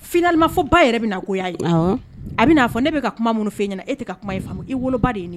Finalilimafɔ ba yɛrɛ bɛna ko ye a bɛ'a fɔ ne bɛ ka kuma minnu fɛ ɲɛna e tɛ ka kuma faamu i woloba de ye ɲini